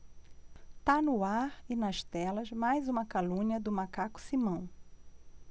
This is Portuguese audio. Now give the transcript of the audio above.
tá no ar e nas telas mais uma calúnia do macaco simão